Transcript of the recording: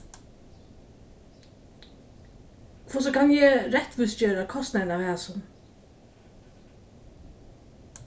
hvussu kann eg rættvísgera kostnaðin av hasum